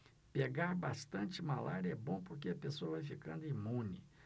pegar bastante malária é bom porque a pessoa vai ficando imune